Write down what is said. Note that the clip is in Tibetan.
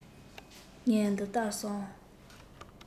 ངས འདི ལྟར བསམ